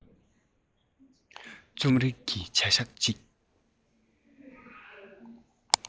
རྩོམ རིག གི བྱ བཞག ཅིག